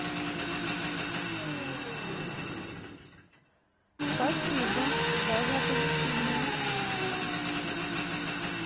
спасибо за за позитивное